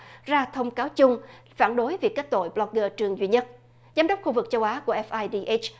ra thông cáo chung phản đối việc kết tội bờ lóc gơ trường duy nhất giám đốc khu vực châu á ép ai bi ết